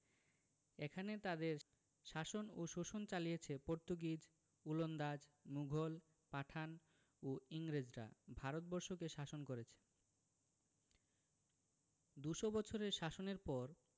এখানে তাদের শাসন ও শোষণ চালিছে পর্তুগিজ ওলন্দাজ মুঘল পাঠান ও ইংরেজরা ভারত বর্ষকে শাসন করেছে দু'শ বছরের শাসনের পর